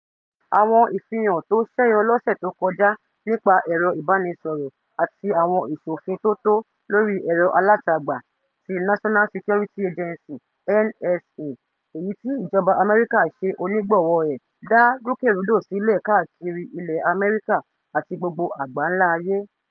Àwọn ìfìhàn tó ṣẹ́yọ lọ́ṣẹ̀ tó kọjá nípa ẹ̀rọ ìbánísọ̀rọ̀ àti àwọn ìṣofintótó lórí ẹ̀rọ alátagbà tí National Security Agency (NSA) èyí tí ìjọba Àmẹ́ríkà ṣe onígbọ̀wọ́ ẹ̀ dá rúkèrúdò sílẹ̀ káàkiri ilẹ̀ Àmẹ́ríkà àti gbogbo àgbánlá ayé.